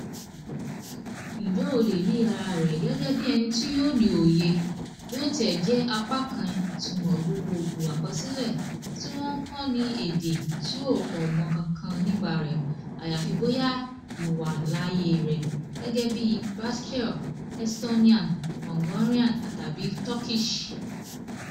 Ǹjẹ́ o lè rí ara rẹ gẹ́gẹ́ bí ẹni tí yóò ní òye - bí ó tiẹ̀ jẹ́ apá kan-ìtumọ̀ gbogbogbò àkọsílẹ̀ tí wọ́n kọ ní èdè tí o kò mọ nǹkan kan nípa rẹ̀ (àyàfi bóyá ìwà láyé rẹ̀) gẹ́gẹ́ bí Basque, Estonian, Hungarian tàbí Turkish?